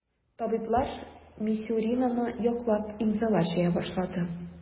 Табиблар Мисюринаны яклап имзалар җыя башлады.